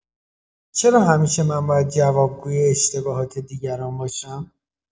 چرا همیشه من باید جوابگوی اشتباهات دیگران باشم؟